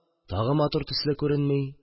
Тагы матур төсле күренми